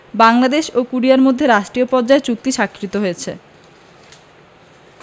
বাংলাদেশ ও কোরিয়ার মধ্যে রাষ্ট্রীয় পর্যায়ে চুক্তি স্বাক্ষরিত হয়েছে